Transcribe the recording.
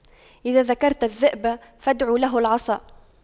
إذا ذكرت الذئب فأعد له العصا